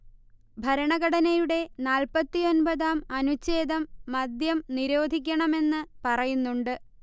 ഭരണഘടനയുടെ നാൽപ്പത്തിയൊൻപതാം അനുഛേദം മദ്യം നിരോധിക്കണമെന്ന് പറയുന്നുണ്ട്